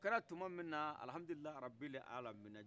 o kɛla tuma min na arabe